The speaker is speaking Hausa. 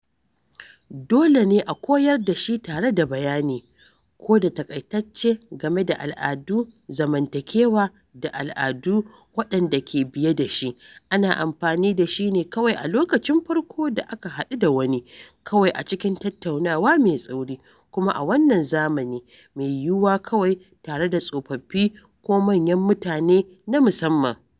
Dole ne a koyar da shi tare da bayani, ko da taƙaitacce, game da al’adun zamantakewa da al’adu waɗanda ke biye da shi: Ana amfani da shi ne kawai a lokacin farko da ka hadu da wani, kawai a cikin tattaunawa mai tsauri, kuma a wannan zamani, mai yiwuwa kawai tare da tsofaffi ko manyan mutane na musamman.